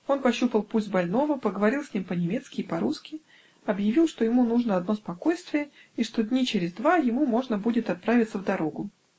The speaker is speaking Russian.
Он пощупал пульс больного, поговорил с ним по-немецки и по-русски объявил, что ему нужно одно спокойствие и что дни через два ему можно будет отправиться в дорогу.